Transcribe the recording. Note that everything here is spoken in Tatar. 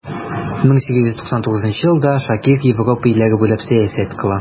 1899 елда шакир европа илләре буйлап сәяхәт кыла.